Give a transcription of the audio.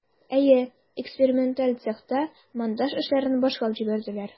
Әйе, эксперименталь цехта монтаж эшләрен башлап җибәрделәр.